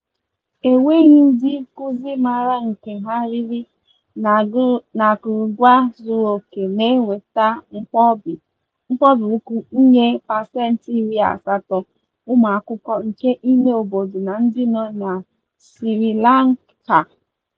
E nweghị ndị nkuzi maara nke ha riri na akụrụngwa zuruoke na-eweta mkpọbi ụkwụ nye 80% ụmụ akwụkwọ nke ịme obodo na ndị nọ na Sri Lanka.